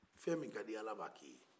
fɛn min ka d'i ye ala b'a k'i ye